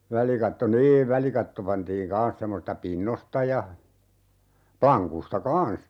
välikatto niin välikatto pantiin kanssa semmoisista pinnoista ja lankuista kanssa